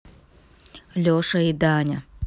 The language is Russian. леша и даня